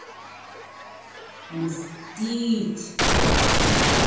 мстить